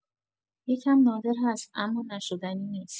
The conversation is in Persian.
یکم نادر هست اما نشدنی نیست.